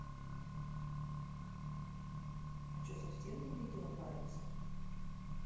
а че совсем не видела палец